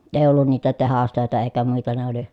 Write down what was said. ei ollut niitä tehdastöitä eikä muita ne oli